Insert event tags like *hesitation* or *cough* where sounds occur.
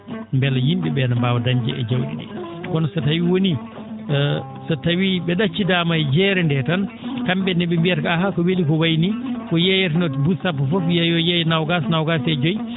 mbela yim?e ?ee ne mbaawa dañde e jaw?i ?ii kono so tawii woni *hesitation* so tawii ?e ?accidaama e jeere nde tan kam?e ne ?e mbiyata ko aahaa ko weli ko wayi ni ko yeeyetenoo to mbuu? sappo wiyee yo yeeye noogaas noogaas e joyi